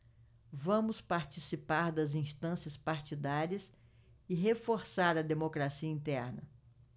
vamos participar das instâncias partidárias e reforçar a democracia interna